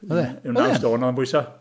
Oedd e?... Ryw naw stone oedd o'n bwyso.